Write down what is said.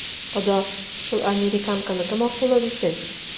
Кода, шул американканы кем акыллы дисен?